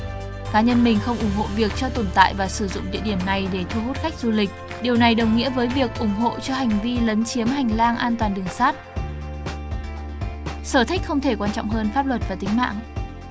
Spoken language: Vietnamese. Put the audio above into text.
cá nhân mình không ủng hộ việc cho tồn tại và sử dụng địa điểm này để thu hút khách du lịch điều này đồng nghĩa với việc ủng hộ cho hành vi lấn chiếm hành lang an toàn đường sắt sở thích không thể quan trọng hơn pháp luật và tính mạng